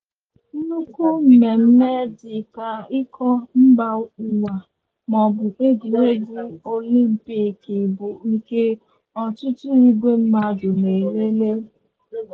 Nnukwu mmemme dị ka Iko Mbaụwa maọbụ Egwuregwu Olimpiki bụ nke ọtụtụ ìgwè mmadụ na-elele.